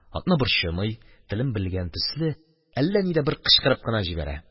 Атны борчымый, телен белгән төсле, әллә нидә бер кычкырып кына җибәрә.